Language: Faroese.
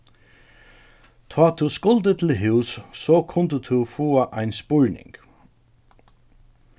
tá tú skuldi til hús so kundi tú fáa ein spurning